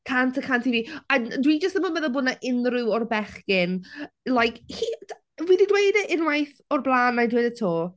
Cant y cant i fi. A dwi jyst ddim yn meddwl bod yna unrhyw o'r bechgyn like he d- dwi 'di dweud e unwaith o'r blaen wna i dweud e 'to.